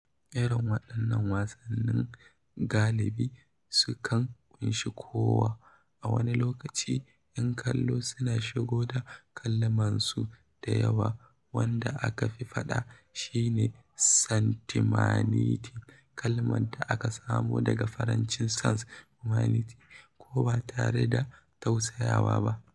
Irin waɗannan wasannin galibi sukan ƙunshi kowa, a wani lokacin 'yan kallo suna shigo da kalamansu da yawa, wanda aka fi faɗa shi ne "Santimanitay!" kalmar da aka samo daga Faransancin "sans humanite", ko "ba tare da tausayawa ba".